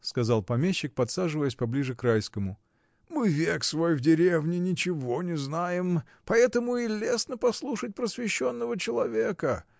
— сказал помещик, подсаживаясь поближе к Райскому, — мы век свой в деревне, ничего не знаем, поэтому и лестно послушать просвещенного человека.